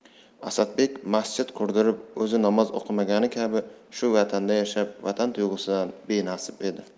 asadbek masjid qurdirib o'zi namoz o'qimagani kabi shu vatanda yashab vatan tuyg'usidan benasib edi